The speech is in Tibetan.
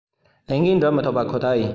ལས འགན འགྲུབ མི ཐུབ པ ཁོ ཐག ཡིན